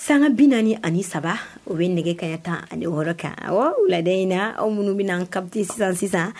Sanga 43, o bɛ nɛgɛ kanɲɛ 16 kan, awɔ, wulada in na, aw minnu bɛ k'an capter sisan sisan.